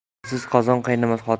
o'tinsiz qozon qaynamas